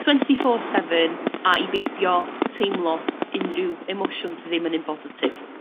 twenty four seven a i beidio teimlo unrhyw emosiwn sy ddim yn un bositif.